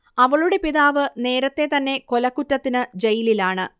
അവളുടെ പിതാവ് നേരത്തെ തന്നെ കൊലകുറ്റത്തിനു ജയിലാണ്